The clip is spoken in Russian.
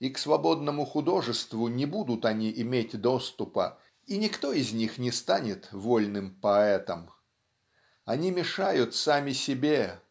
и к свободному художеству не будут они иметь доступа и никто из них не станет вольным поэтом. Они мешают сами себе.